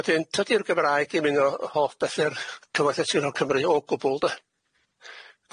Wedyn tydi'r Gymraeg ddim un o holl bethe'r cyfatheth yng Nghefn Cymru o gwbwl de.